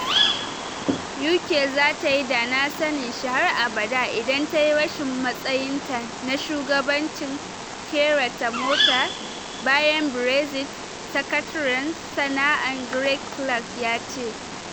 UK “zata yi da na sanin shi har abada” idan tayi rashin matsayin ta na shugabancin kera mota bayan Brexit, Sakataren Sana’a Greg Clark yace.